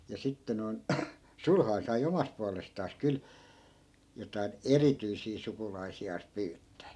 ja sitten noin sulhanen sai omasta puolestaan kyllä jotakin erityisiä sukulaisiaan pyyttää